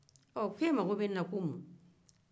ko e mago bɛ ne na ko mun